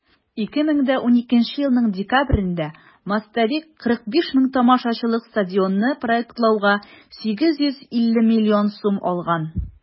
2012 елның декабрендә "мостовик" 45 мең тамашачылык стадионны проектлауга 850 миллион сум алган.